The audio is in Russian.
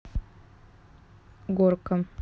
горка